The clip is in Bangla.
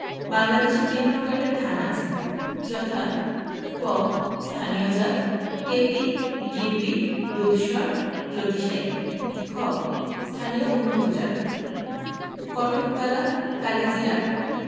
বাংলাদেশে তিন প্রকারের ধান আছে যথাঃ ক স্থানীয় জাতঃ টেপি গিরবি দুধসর লতিশাইল খ স্থানীয় উন্নতজাতঃ কটকতারা কালিজিরা